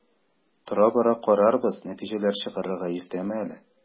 Тора-бара карарбыз, нәтиҗәләр чыгарырга иртәме әле?